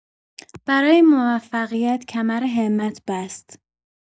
برای موفقیت کمر همت بست.